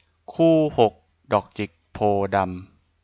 คู่หกดอกจิกโพธิ์ดำ